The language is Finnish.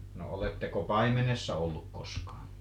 no oletteko paimenessa ollut koskaan